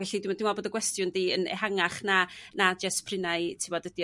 Felly dw- dwi me'l bod dy gwestiwn di yn ehangach na na jyst p'run a'i t'wod ydi